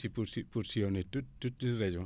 ci pour pour sillonner toute tout une région